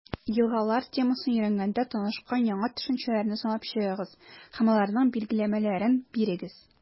«елгалар» темасын өйрәнгәндә танышкан яңа төшенчәләрне санап чыгыгыз һәм аларның билгеләмәләрен бирегез.